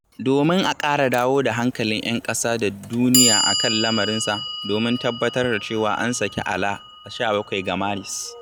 Domin a ƙara dawo da hankalin 'yan ƙasa da duniya a kan lamarinsa domin tabbatar da cewa an saki Alaa a 17 ga Maris.